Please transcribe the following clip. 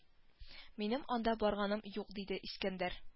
Минем анда барганым юк диде искәндәр